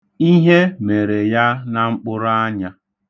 Ihe mere ya na mkpụrụanya.